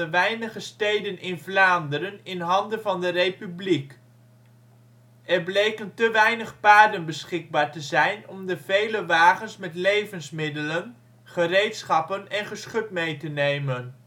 weinige steden in Vlaanderen in handen van de Republiek. Er bleken te weinig paarden beschikbaar te zijn om de vele wagens met levensmiddelen, gereedschappen en geschut mee te nemen